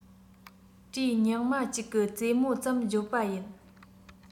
སྐྲའི ཉག མ གཅིག གི རྩེ མོ ཙམ བརྗོད པ ཡིན